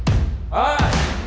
lợi